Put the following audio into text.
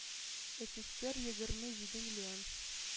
Эсэсэсэр егерме җиде миллион,